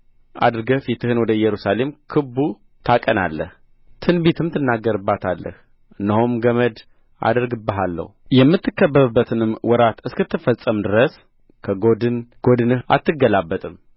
አድርገህ ፊትህን ወደ ኢየሩሳሌም ክቡ ታቀናለህ ትንቢትም ትናገርባታለህ እነሆም ገመድ አደርግብሃለሁ የምትከበብበትንም ወራት እስክትፈጽም ድረስ ከጐድን ጐድንህ አትገላበጥም